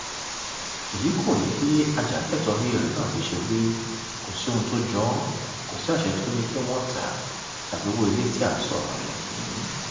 Èyí kò rí bí ajàfẹ́tọ̀ọ́ AL náà ti ṣe wí, kò sí ohun tó jọ ọ́, kò sí àṣẹ tí ó ní kí wọ́n tà tàbí wó ilé tí à ń sọ̀rọ̀ọ rẹ̀ yìí.